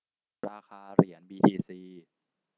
ราคาเหรียญบีทีซี